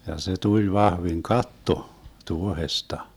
ja se tuli vahvin katto tuohesta